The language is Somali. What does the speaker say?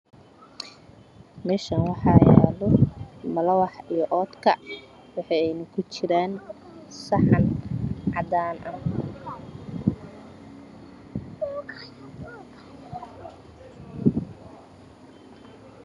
Meeshaan waxaa yaalo malawax iyo oodkac waxayna kujiraan saxan cadaan ah